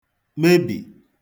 mebì